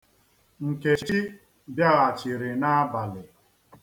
Nkechi bịaghachiri n'abalị.